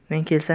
men kelsam